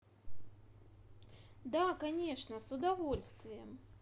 да конечно с удовольствием